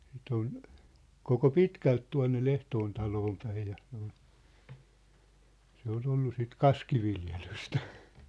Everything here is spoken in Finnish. sitä on koko pitkälti tuonne Lehtoon taloon päin ja se oli se oli ollut sitten kaskiviljelystä